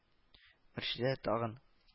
Мөршидә тагын